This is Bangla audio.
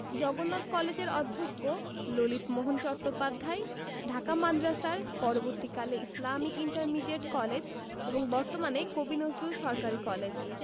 জগন্নাথ কলেজের অধ্যক্ষ ললিতমোহন চট্টোপাধ্যায় ঢাকা মাদ্রাসার পরবর্তীকালে ইসলামিক ইন্টারমিডিয়েট কলেজ বর্তমান কবি নজরুল সরকারি কলেজ